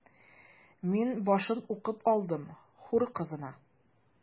Мин башын укып алдым: “Хур кызына”.